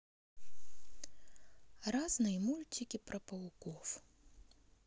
разные мультики про пауков